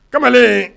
Kamalen